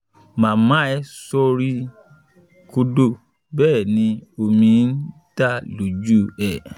Màmá ẹ̀ sorí kodò, bẹ́è ni omi ń dà lójú ẹ̀.